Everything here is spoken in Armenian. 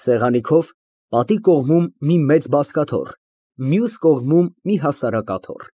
Սեղանի մոտ, պատի կողմում մի մեծ բազկաթոռ, մյուս կողմում մի հասարակ աթոռ։